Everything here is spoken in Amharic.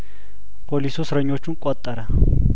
ፖሊሱ እስረኞቹን ቆጠረ